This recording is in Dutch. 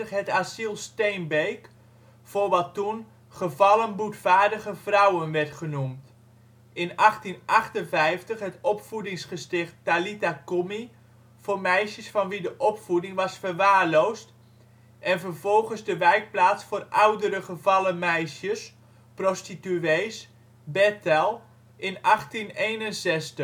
het " asyl Steenbeek " voor wat toen " gevallen boetvaardige vrouwen " werd genoemd, in 1858 het opvoedingsgesticht Talitha-Kumi voor meisjes van wie de opvoeding was verwaarloosd, en vervolgens de wijkplaats voor " oudere gevallen meisjes " (prostituees) Bethel in 1861. In 1864